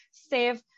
Sef